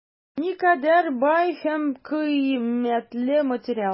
Никадәр бай һәм кыйммәтле материал!